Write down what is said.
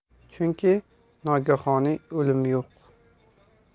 chunki nogahoniy o'lim yo'q